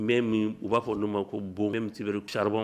N bɛ min u b'a fɔ n'o ma ko bon bɛ charbon